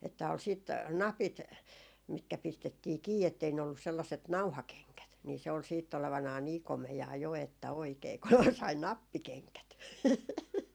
että oli sitten napit mitkä pistettiin kiinni että ei ne ollut sellaiset nauhakengät niin se oli sitten olevinaan niin komeaa jo että oikein kun sai nappikengät